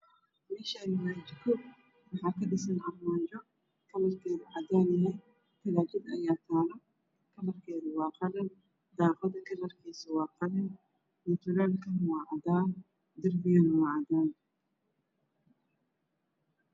Meeshaani waa jiko waxaa ka dhisan armaajo kalarkeedu waa cadaan yahay talaajad ayaa taalo kalarkeedu waa qalin daaqada kalarkeedu waa qalin dhulkana waa cadaan darbigu cadaan